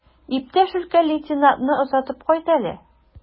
Иптәш өлкән лейтенантны озатып кайт әле.